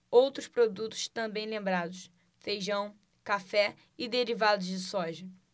outros produtos também lembrados feijão café e derivados de soja